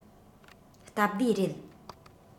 སྟབས བདེ རེད